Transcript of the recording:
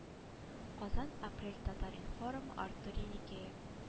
Казан апрель татар-информ артур еникеев